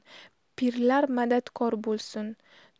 pirlar madadkor bo'lsun